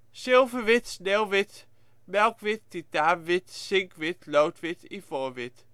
Zilverwit, sneeuwwit, melkwit, titaanwit, zinkwit, loodwit, ivoorwit